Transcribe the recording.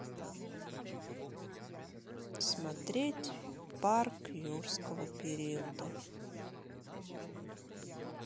смотреть парк юрского периода